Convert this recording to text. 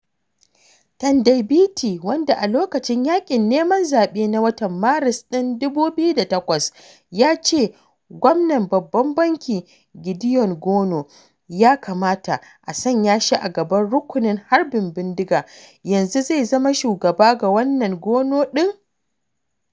Tendai Biti wanda, a lokacin yaƙin neman zaɓe na watan Maris ɗin 2008 ya ce gwamnan Babban Banki Gideon Gono “ya kamata a sanya shi a gaban rukunin harbin bindiga,” yanzu zai zama shugaba ga wannan Gono ɗin.